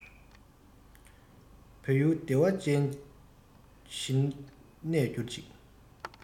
བོད ཡུལ བདེ བ ཅན བཞིན གནས འགྱུར ཅིག